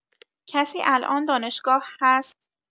کسی الان دانشگاه هست؟